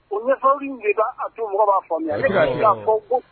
U nefa de' a to mɔgɔ b'a fɔ